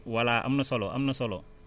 voilà am na solo am na solo